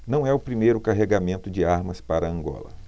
não é o primeiro carregamento de armas para angola